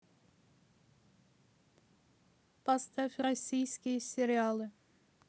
поставь российские сериалы